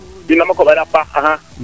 ndama koɓale a paax